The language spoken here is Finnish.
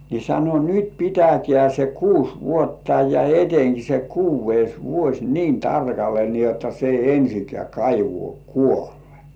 niin sanoi nyt pitäkää se kuusi vuotta ja etenkin se kuudes vuosi niin tarkalle niin jotta se ei ensinkään kaivoon kuole